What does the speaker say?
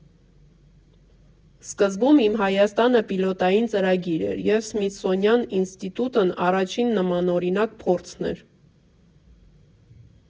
Սկզբում «Իմ Հայաստանը» պիլոտային ծրագիր էր, և Սմիթսոնյան ինստիտուտն առաջին նմանօրինակ փորձն էր։